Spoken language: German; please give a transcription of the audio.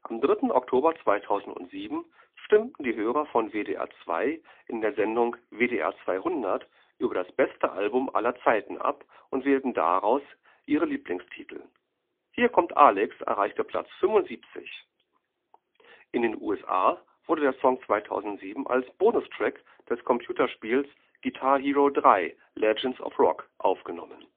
3. Oktober 2007 stimmten die Hörer von WDR2 in der Sendung WDR 200 über „ das beste Album aller Zeiten “ab und wählten daraus ihre Lieblingstitel. Hier kommt Alex erreichte Platz 75. In den USA wurde der Song 2007 als Bonustrack des Computerspiels Guitar Hero III: Legends of Rock aufgenommen